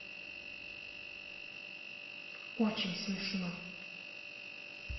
очень не смешно